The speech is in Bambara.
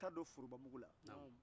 k a ta don forobamugu la